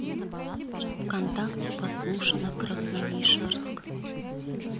вконтакте подслушано красновишерск